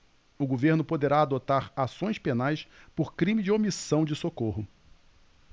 o governo poderá adotar ações penais por crime de omissão de socorro